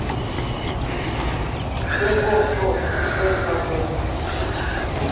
sberbox топ что такое